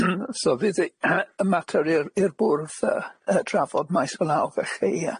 So fydd yy yy y mater i'r i'r bwrdd yy yy drafod maes felaw felly ie.